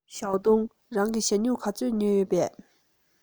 ཞའོ ཏུང རང གིས ཞྭ སྨྱུག ག ཚོད ཉོས ཡོད པས